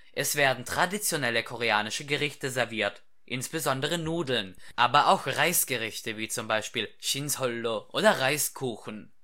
Es werden traditionelle koreanische Gerichte serviert, insbesondere Nudeln, aber auch Reisgerichte wie zum Beispiel sinsŏllo oder Reiskuchen